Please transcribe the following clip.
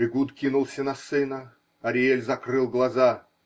Эгуд кинулся на сына; Ариэль закрыл глаза.